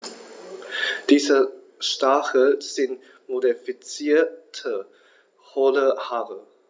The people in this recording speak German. Diese Stacheln sind modifizierte, hohle Haare.